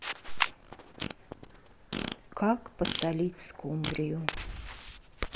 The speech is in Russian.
как посолить скумбрию